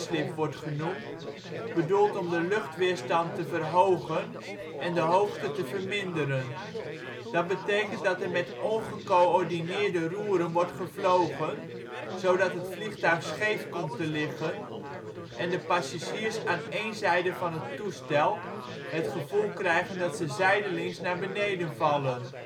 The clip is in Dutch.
genoemd, bedoeld om de luchtweerstand te verhogen en de hoogte te verminderen. Dat betekent dat er met ongecoördineerde roeren wordt gevlogen, zodat het vliegtuig scheef komt te liggen en de passagiers aan één zijde van het vliegtuig het gevoel krijgen dat ze zijdelings naar beneden vallen